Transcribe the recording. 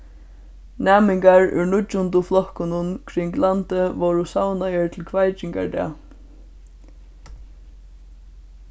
næmingar úr níggjundu flokkunum kring landið vóru savnaðir til kveikingardag